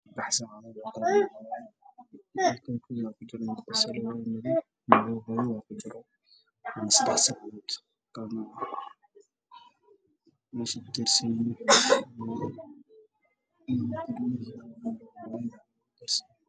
Meeshan waxa yaalo saddex saacadood good yahay guduud jaalo og tarbi ay sareen